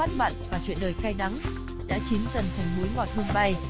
nước mắt mặn và chuyện đời cay đắng đã chín dần thành múi ngọt hương bay